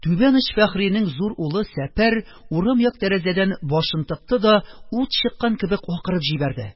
Түбән оч фәхринең зур улы сәпәр урам як тәрәзәдән баш тыкты да, ут чыккан кебек, акырып җибәрде: